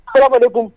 Ala ne kun